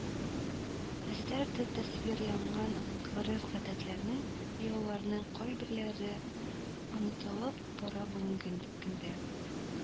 Әсәрдә тасвирланган гореф-гадәтләрнең, йолаларның кайберләре онытылып бара бүгенге көндә